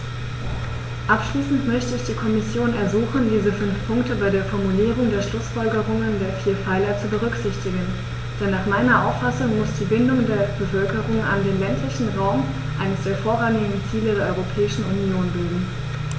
Abschließend möchte ich die Kommission ersuchen, diese fünf Punkte bei der Formulierung der Schlußfolgerungen der vier Pfeiler zu berücksichtigen, denn nach meiner Auffassung muss die Bindung der Bevölkerung an den ländlichen Raum eines der vorrangigen Ziele der Europäischen Union bilden.